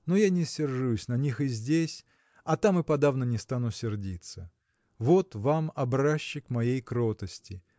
Но я не сержусь на них и здесь, а там и подавно не стану сердиться. Вот вам образчик моей кротости